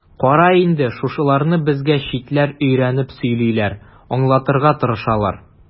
Кара инде, шушыларны безгә читләр өйрәнеп сөйлиләр, аңлатырга тырышалар.